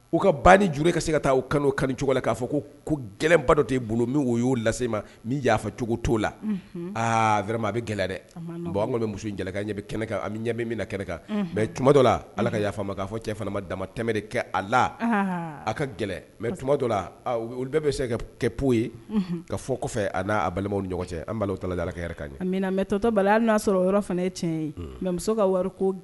Dɛ bɔn an ɲɛ kɛnɛ ɲɛ kan mɛ la ala ka yafa fɔ cɛ dama tɛmɛri kɛ a la a ka gɛlɛn mɛ la olu bɛɛ bɛ se ka kɛp ye ka fɔ kɔfɛ a n'a balimaw ɲɔgɔn cɛ anla ka mɛ tɔtɔ bali'a sɔrɔ yɔrɔ fana ye tiɲɛ ye mɛ ka wari ko